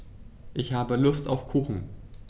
Ich habe Lust auf Kuchen.